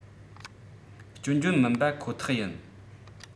སྐྱོན བརྗོད མིན པ ཁོ ཐག ཡིན